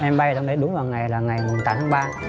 em nay sang đây đúng vào ngày là ngày mùng tháng ba